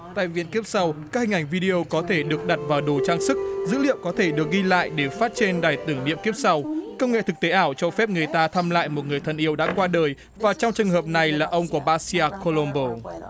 tại viện kiếp sau các hình ảnh vi đi ô có thể được đặt vào đồ trang sức dữ liệu có thể được ghi lại để phát trên đài tưởng niệm kiếp sau công nghệ thực tế ảo cho phép người ta thăm lại một người thân yêu đã qua đời và trong trường hợp này là ông của ba xi a cô lôm bô